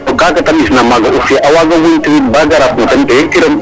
To kaaga ta ɓisna aussi a waaga woñtuwiid ba gar a rok no teen to yegkiran